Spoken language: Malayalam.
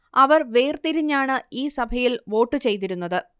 അവർ വേർ തിരിഞ്ഞാണ് ഈ സഭയിൽ വോട്ടു ചെയ്തിരുന്നത്